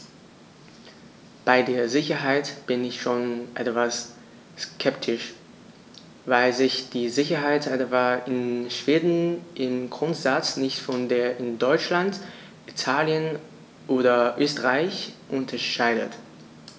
Bei der Sicherheit bin ich schon etwas skeptisch, weil sich die Sicherheit etwa in Schweden im Grundsatz nicht von der in Deutschland, Italien oder Österreich unterscheidet.